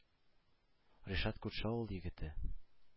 – ришат – күрше авыл егете.